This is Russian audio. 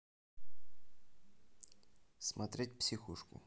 смотреть психушку